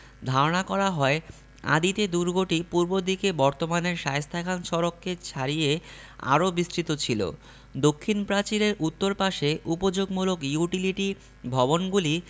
ধারণা করা হয় আদিতে দুর্গটি পূর্ব দিকে বর্তমানের শায়েস্তা খান সড়ককে ছাড়িয়ে আরও বিস্তৃত ছিল দক্ষিণ প্রাচীরের উত্তর পাশে উপযোগমূলক ইউটিলিটিভবনগুলি